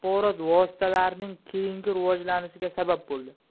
vositalarining keyingi rivojlanishiga sabab bo'ldi